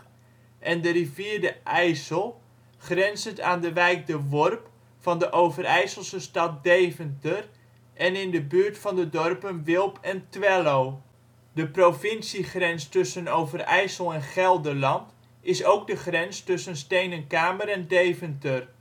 en de rivier de IJssel, grenzend aan de wijk De Worp van de Overijsselse stad Deventer en in de buurt van de dorpen Wilp en Twello. De provinciegrens tussen Overijssel en Gelderland is ook de grens tussen Steenenkamer en Deventer